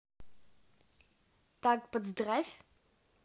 так поздравь